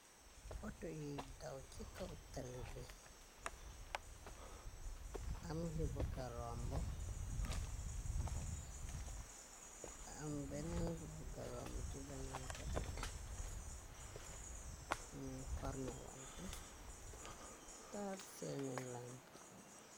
Auto yuy daw ci kaw taali bi am nyu bugaromba nga am beneen bi bugga romba ci beneen kotu bi ñuy korné wante taal seeni lampa.